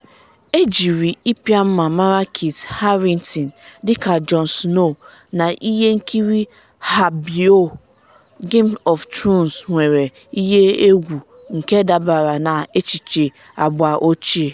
Ejiri ịpịa mma mara Kit Harrington dịka Jon Snow na ihe nkiri HBO Game of Thrones nwere ihe egwu nke dabere na echiche agba ochie.